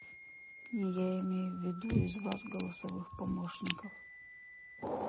не я имею виду из вас голосовых помощников